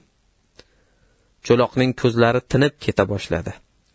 cho'loqning ko'zlari tinib keta boshladi